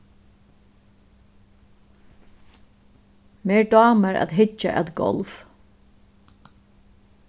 mær dámar at hyggja at golf